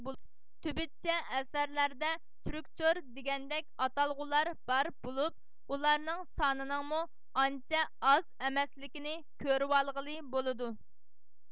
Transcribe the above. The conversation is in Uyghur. تۈبۈتچە ئەسەرلەردە تۈركچور دېگەندەك ئاتالغۇلار بار بولۇپ ئۇلارنىڭ سانىنىڭمۇ ئانچە ئاز ئەمەسلىكىنى كۆرۋالغىلى بولىدۇ